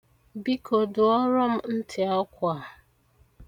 Biko dụọrọ m ntị akwa a.